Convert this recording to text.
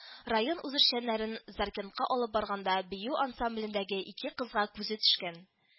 Район үзешчәннәрен заркентка алып барганда бию ансамблендәге ике кызга күзе төшкән